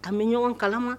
A bɛ ɲɔgɔn kalama